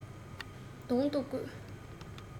གདོང གཏུག དགོས